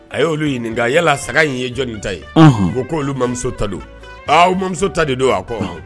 A y ye olu ɲini nka yalala saga in ye jɔnni ta ye ko ko olu mamuso talu h mamuso ta de don a kɔ